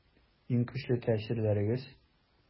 Иң көчле тәэсирләрегез?